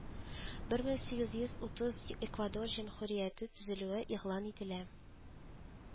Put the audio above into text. Бер мең сигез йөз утыз эквадор җөмһүрияте төзелүе игълан ителә